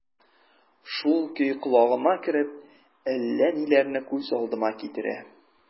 Шул көй колагыма кереп, әллә ниләрне күз алдыма китерә...